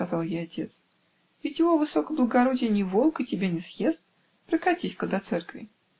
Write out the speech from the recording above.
-- сказал ей отец, -- ведь его высокоблагородие не волк и тебя не съест: прокатись-ка до церкви".